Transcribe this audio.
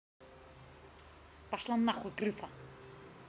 пошла нахуй крыса